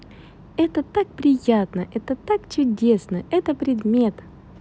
это так приятно это так чудесно это предмет